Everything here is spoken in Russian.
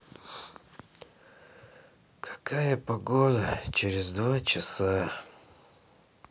какая погода через два часа